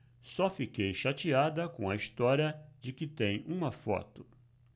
só fiquei chateada com a história de que tem uma foto